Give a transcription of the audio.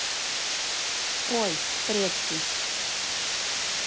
ой предки